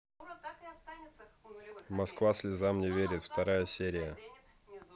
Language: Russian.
москва слезам не верит вторая серия